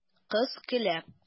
Кыз көлә.